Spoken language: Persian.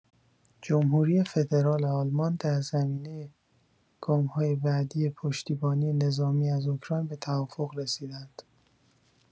جمهوری فدرال آلمان، در زمینه گام‌های بعدی پشتیبانی نظامی از اوکراین به توافق رسیدند.